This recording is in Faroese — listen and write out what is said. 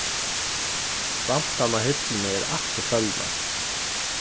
plantan á hillini er aftur følnað